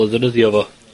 o ddefnyddio fo.